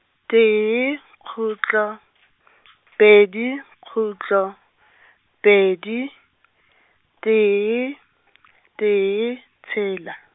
tee, khutlo, pedi, khutlo, pedi, tee, tee, tshela.